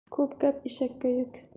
ko'p gap eshakka yuk